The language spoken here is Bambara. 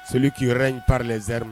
Celui règne par les armes